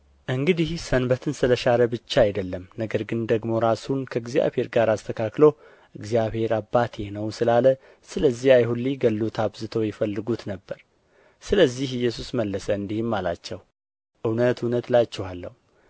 እንግዲህ ሰንበትን ስለ ሻረ ብቻ አይደለም ነገር ግን ደግሞ ራሱን ከእግዚአብሔር ጋር አስተካክሎ እግዚአብሔር አባቴ ነው ስላለ ስለዚህ አይሁድ ሊገድሉት አብዝተው ይፈልጉት ነበር ስለዚህ ኢየሱስ መለሰ እንዲህም አላቸው እውነት እውነት እላችኋለሁ